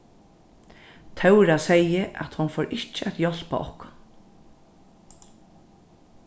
tóra segði at hon fór ikki at hjálpa okkum